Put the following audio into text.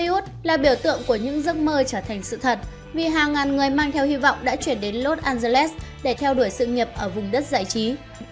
hollywood là biểu tượng của những giấc mơ trở thành sự thật vì hàng ngàn người mang theo hy vọng đã chuyển đến los angeles để theo đuổi sự nghiệp ở vùng đất giải trí